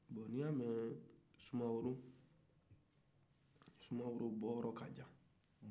bon n'i y'a mɛ sumaworo sumaworo bɔyɔrɔ ka jan